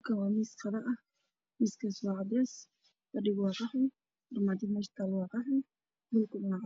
Kani waa miis miis kaas waa cadan waxaa kaloo yaalo fadhi buluug ah